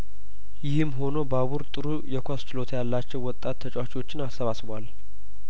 ይህም ሆኖ ባቡር ጥሩ የኳስ ችሎታ ያላቸው ወጣት ተጨዋቾችን አሰባስቧል